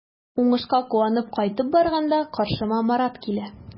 Уңышка куанып кайтып барганда каршыма Марат килә.